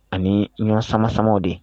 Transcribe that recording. Ani ɲɔɔn sama-samaw de